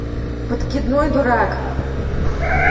подкидной дурак